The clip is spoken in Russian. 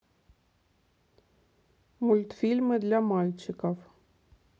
мультфильмы для мальчиков